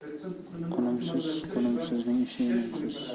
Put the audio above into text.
qo'nimsiz qo'nimsizning ishi unumsiz